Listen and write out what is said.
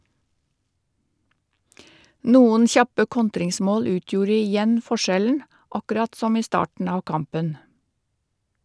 Noen kjappe kontringsmål utgjorde igjen forskjellen, akkurat som i starten av kampen.